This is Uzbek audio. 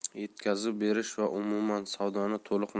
yetkazib berish va umuman savdoni to'liq